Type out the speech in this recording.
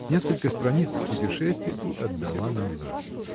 несколько страниц из Путешествий и отдала назад.